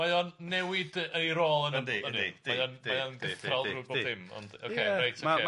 mae o'n newid ei rôl...